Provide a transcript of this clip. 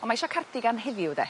On' mae isio cardigan heddiw de.